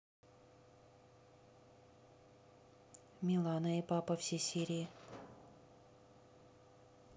милана и папа все серии